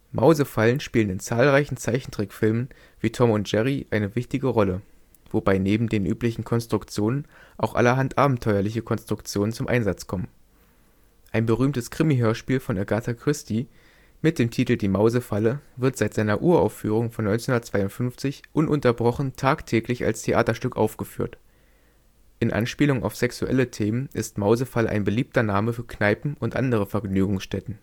Mausefallen spielen in zahlreichen Zeichentrickfilmen wie Tom und Jerry eine wichtige Rolle, wobei neben den üblichen Konstruktionen auch allerhand abenteuerliche Konstruktionen zum Einsatz kommen. Ein berühmtes Krimi-Hörspiel von Agatha Christie mit dem Titel Die Mausefalle wird seit seiner Uraufführung von 1952 ununterbrochen tagtäglich als Theaterstück aufgeführt. In Anspielung auf sexuelle Themen ist Mausefalle ein beliebter Name für Kneipen und andere Vergnügungsstätten